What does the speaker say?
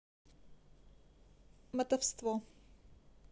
мотовство